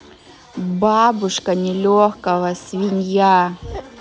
бабушка нелегкого свинья